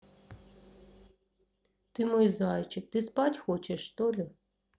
ты мой зайчик ты спать хочешь что ли